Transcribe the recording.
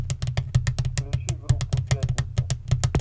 включи группу пятница